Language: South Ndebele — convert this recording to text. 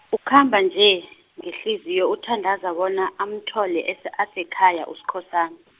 ukhamba nje, ngehliziyo uthandaza bona amthole ese- asekhaya, Uskhosana.